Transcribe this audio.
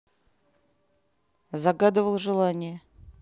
загадывал желание